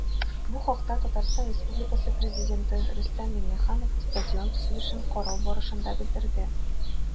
Бу хакта ТР Пррезиденты Рөстәм Миңнеханов стадион төзелешен карау барышында белдерде.